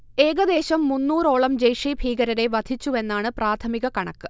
ഏകദേശം മുന്നൂറോളം ജെയ്ഷെ ഭീകരരെ വധിച്ചുവെന്നാണ് പ്രാഥമിക കണക്ക്